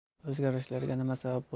o'zgarishlarga nima sabab